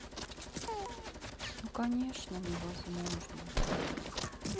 ну конечно невозможно